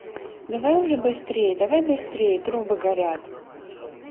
давай уже быстрей давай быстрей трубы горят